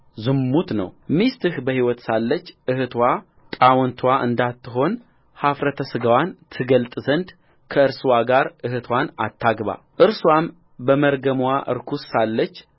ዝሙት ነውሚስትህ በሕይወት ሳለች እኅትዋ ጣውንትዋ እንዳትሆን ኃፍረተ ሥጋዋን ትገልጥ ዘንድ ከእርስዋ ጋር እኅትዋን አታግባእርስዋም በመርገምዋ ርኵሰት ሳለች